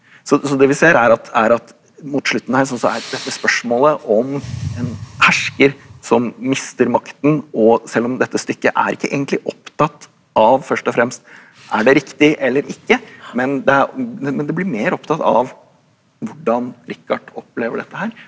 så så det vi ser er at er at mot slutten her sånn så er dette spørsmålet om en hersker som mister makten og selv om dette stykket er ikke egentlig opptatt av først og fremst er det riktig eller ikke men det er men det blir mer opptatt av hvordan Rikard opplever dette her.